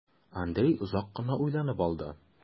Андрей озак кына уйланып алды.